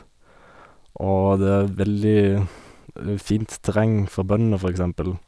Og det er veldig fint terreng for bøndene, for eksempel.